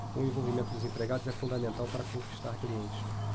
o envolvimento dos empregados é fundamental para conquistar clientes